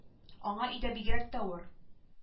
Аңа өйдә бигрәк тә авыр